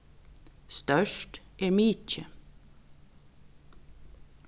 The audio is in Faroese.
stórt er mikið